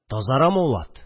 Тазарамы ул ат